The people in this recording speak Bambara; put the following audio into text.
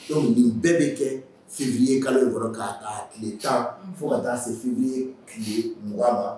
Donc bɛɛ bɛ kɛ Février kalo in kɔrɔ ka ta a kile 10 fo ka taa se février kile 20 ma